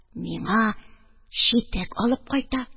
Миңа читек алып кайта.